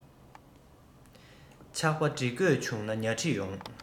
ཆགས པ སྒྲིག དགོས བྱུང ན ཉ སྒྲིག ཡོང